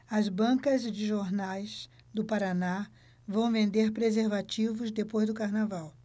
as bancas de jornais do paraná vão vender preservativos depois do carnaval